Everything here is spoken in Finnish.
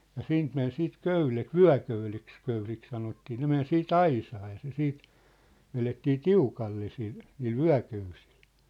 ja siitä meni sitten köydet vyököydeksi - sanottiin ne meni sitten aisaa ja se sitten vedettiin tiukalle sillä niillä vyököysillä